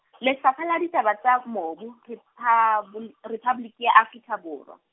Lefapha la Ditaba tsa Mobu Rephabol-, Rephaboliki ya Afrika Borwa.